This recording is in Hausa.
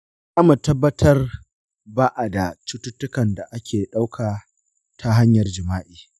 za mu tabbatar ba a da cututtukan da ake ɗauka ta hanyar jima’i kafin saka iud.